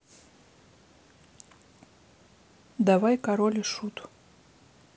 давай король и шут